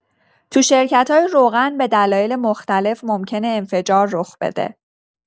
تو شرکت‌های روغن به دلایل مختلف ممکنه انفجار رخ بده.